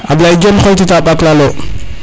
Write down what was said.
Ablaye Dione xoytita MBak lalo